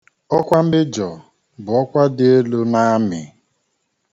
Ọkwa mejọ bụ ọkwa dị elu n'amị.